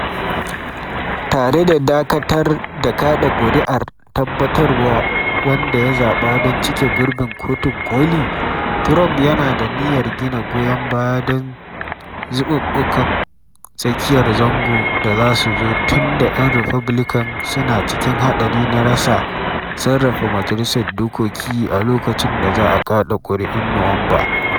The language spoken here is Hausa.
Tare da dakatar da kada kuri’ar tabbatarwa wanda ya zaba don cike gurbin Kotun Koli, Trump yana da niyyar gina goyon baya don zabubbukan tsakiyar zango da za su zo tun da ‘yan Republican suna cikin hadari na rasa sarrafa Majalisar Dokoki a lokaci da za a kada kuri’un a Nuwamba.